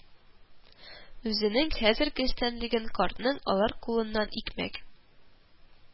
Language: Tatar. Үзенең хәзерге өстенлеген, картның алар кулыннан икмәк